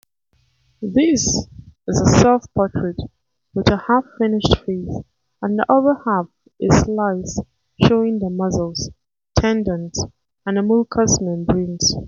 “[This] is a self-portrait with a half-finished face, and the other half is sliced, showing the muscles, tendons and mucous membranes.